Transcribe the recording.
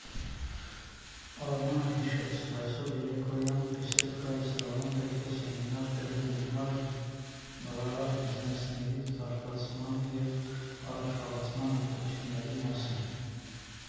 Արմանը հիշեց՝ այսօր երեկոյան «Բիսեդկայի» սրահում պետք է սեմինար տեղի ունենար նորարար բիզնեսների զարգացման և առաջխաղացման հմտությունների մասին։